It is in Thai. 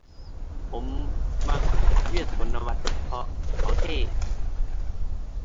ผมมักเวียร์ ศุกลวัฒน์ เพราะเขาเท่